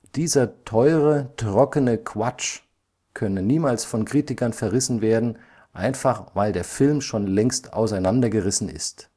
dieser teure, trockene Quatsch “könne niemals von Kritikern verrissen werden, „ einfach weil der Film schon längst auseinandergerissen ist